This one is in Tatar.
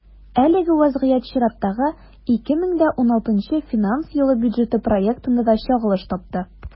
Әлеге вазгыять чираттагы, 2016 финанс елы бюджеты проектында да чагылыш тапты.